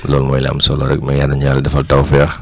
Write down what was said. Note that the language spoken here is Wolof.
loolu mooy li am solo rek mooy yàl na ñu yàlla defal taw féex